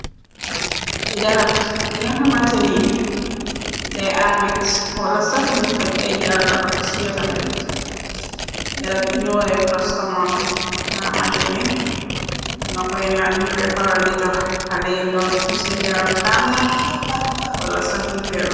Garab bu nga xamanteni day armit wala sax më faj ay jangarux ci yerami nit. Garab bi ñu wooye prastomol, nga xamante ni danga koy naan, ñi koy faral di ko jox haley yi ndow. Ñu sen yaram tànga wala sax ñufeebarr.